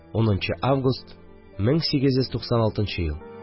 10 нчы август 1896 ел